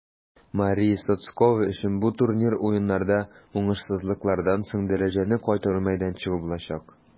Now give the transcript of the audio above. Мария Сотскова өчен бу турнир Уеннарда уңышсызлыклардан соң дәрәҗәне кайтару мәйданчыгы булачак.